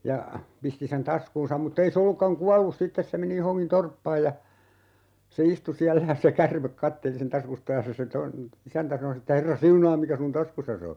ja pisti sen taskuunsa mutta ei se ollutkaan kuollut sitten se meni johonkin torppaan ja se istui siellä ja se käärme katseli sen taskusta ja se se tuon isäntä sanoi sitten että herra siunaa mikä sinun taskussasi on